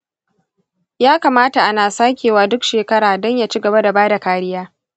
ya kamata ana sake wa duk shekara-dan ya cigaba da bada kariya